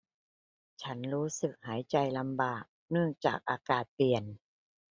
ฉันรู้สึกหายใจลำบากเนื่องจากอากาศเปลี่ยน